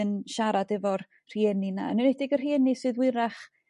yn siarad efo'r rhieni 'na yn enwedig yr rhieni sydd 'wyrach